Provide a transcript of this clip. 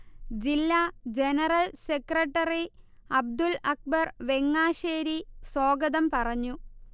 ജില്ലാ general secretary Abdul Akbar Vengassery സ്വാഗതം പറഞ്ഞു